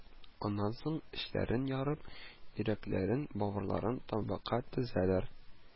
Аннан соң эчләрен ярып, йөрәкләрен, бавырларын табакка тезәләр